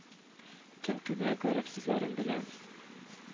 Кем күбрәк гарәп сүзләрен белә